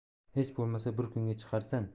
hech bo'lmasa bir kunga chiqarsan